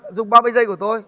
dùng ba mươi giây của tôi